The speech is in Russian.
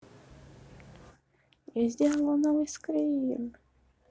я сделала новый скрин